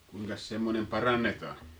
kuinkas semmoinen parannetaan